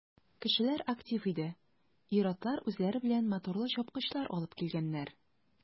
Кешеләр актив иде, ир-атлар үзләре белән моторлы чапкычлар алыпн килгәннәр.